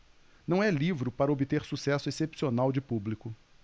não é livro para obter sucesso excepcional de público